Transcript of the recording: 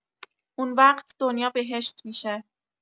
اون وقت دنیا بهشت می‌شه.